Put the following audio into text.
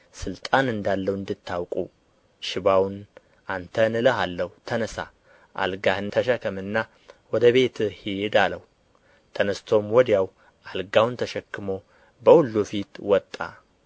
ሥልጣን እንዳለው እንድታውቁ ሽባውን አንተን እልሃለሁ ተነሣ አልጋህን ተሸከምና ወደ ቤትህ ሂድ አለው ተነሥቶም ወዲያው አልጋውን ተሸክሞ በሁሉ ፊት ወጣ